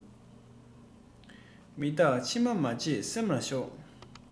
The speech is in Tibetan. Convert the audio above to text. མི རྟག འཆི བ མ བརྗེད སེམས ལ ཞོག